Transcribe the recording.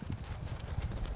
cho